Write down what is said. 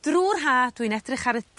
drw'r Ha dwi'n edrych ar y